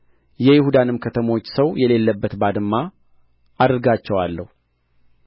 የይሁዳንም ከተሞች ሰው የሌለበት ባድማ አደርጋቸዋለሁ